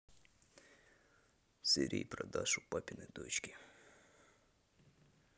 серии про дашу папины дочки